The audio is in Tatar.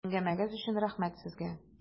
Әңгәмәгез өчен рәхмәт сезгә!